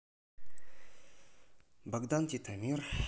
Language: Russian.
богдан титомир